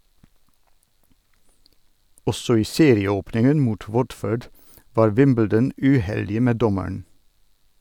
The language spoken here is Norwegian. Også i serieåpningen mot Watford var Wimbledon uheldige med dommeren.